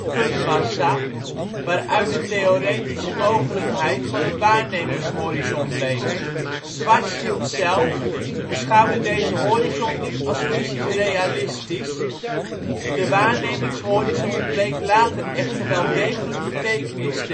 puntmassa, waaruit de theoretische mogelijkheid van een waarnemingshorizon bleek. Schwarzschild zelf beschouwde deze horizon niet als fysisch realistisch; de waarnemingshorizon bleek later echter wel degelijk betekenis